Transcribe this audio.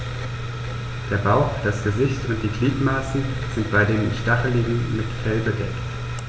Der Bauch, das Gesicht und die Gliedmaßen sind bei den Stacheligeln mit Fell bedeckt.